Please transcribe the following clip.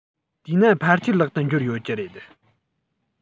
དེས ན ཕལ ཆེར ལག ཏུ འབྱོར ཡོད ཀྱི རེད